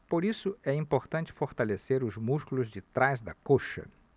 por isso é importante fortalecer os músculos de trás da coxa